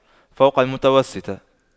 فوق المتوسطة